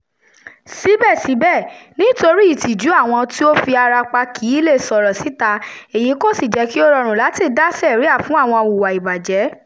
Síbẹ̀síbẹ̀, nítorí ìtìjú àwọn tí ó fi ara pa kì í leè sọ̀rọ̀ síta èyí kò sì jẹ́ kí ó rọrùn láti dá sẹ̀ríà fún àwọn awùwà ìbàjẹ́.